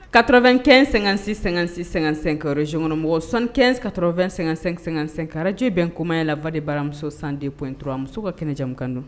Katrovinkɛnz sɛnkansis sɛnkansis sɛnkansɛnk sɔsankɛnz katrovin sɛnkansɛnk sɛnkansɛnk arajobɛn komaya lavuwa de baramuso san depuwɛn turuwa musow ka kɛnɛ jɛmukan don